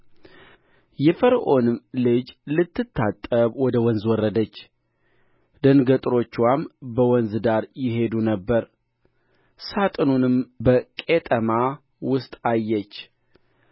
የፈርዖንም ልጅ ልትታጠብ ወደ ወንዝ ወረደች ደንገጥሮችዋም በወንዝ ዳር ይሄዱ ነበር ሣጥኑንም በቄጠማ ውስጥ አየች